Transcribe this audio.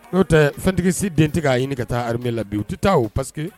Oo tɛ fɛntigisi den tɛ k'a ɲini ka taa harmee la bi u tɛ taa o parceri que